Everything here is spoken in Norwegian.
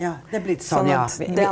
ja det har vorte sånn ja.